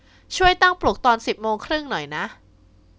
ช่วยตั้งปลุกตอนสิบโมงครึ่งหน่อยนะ